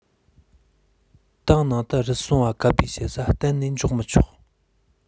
ཏང ནང དུ རུལ སུངས པ གབ སྦས བྱེད ས གཏན ནས འཇོག མི ཆོག